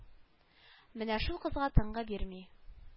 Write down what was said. Менә шул кызга тынгы бирми